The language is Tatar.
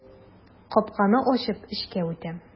Капканы ачып эчкә үтәм.